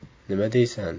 nima deysan